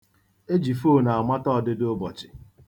E ji foonu amata ọdịdịụbọchị.